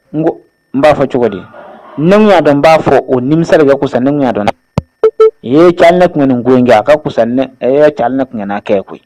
N ko n b'a fɔ cogo di? Ni tun y’a a dɔn n b'a fɔ o nimisa de ka ko sa ni tun y’a dɔn dɛ! . Ee cɛ hali ne tun ka nin ko kɛ, a ka fusa ee cɛ hali ne tun ka na kɛ koyi.